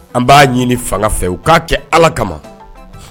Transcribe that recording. An b'a ɲini fanga fɛ u k'a kɛ ala kama